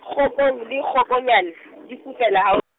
kgokong le kgokonyane, di fulela hau-.